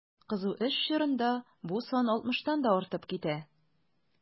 Кызу эш чорында бу сан 60 тан да артып китә.